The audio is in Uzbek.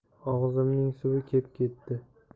og'zimning suvi kep ketdi